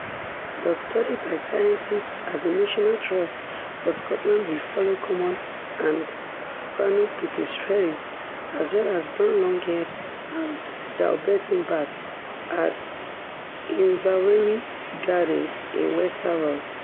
The study by scientists at the National Trust for Scotland will follow common and soprano pipistrelles as well as brown long-eared and Daubenton bats at Inverewe Gardens in Wester Ross.